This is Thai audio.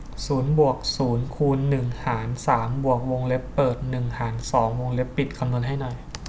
ศูนย์บวกศูนย์คูณหนึ่งหารสามบวกวงเล็บเปิดหนึ่งหารสองวงเล็บปิดคำนวณให้หน่อย